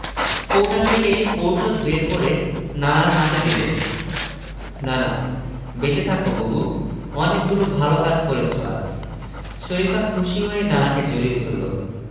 কৌটা থেকে ঔষধ বের করে নানার হাতে দিল নানা বেঁচে থাকো বুবু অনেকগুলো ভালো কাজ করেছ আজ শরিফা খুশি হয়ে নানাকে জড়িয়ে ধরল